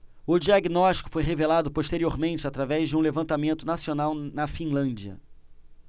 o diagnóstico foi revelado posteriormente através de um levantamento nacional na finlândia